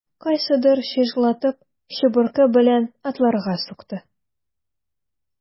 Кайсыдыр чыжлатып чыбыркы белән атларга сукты.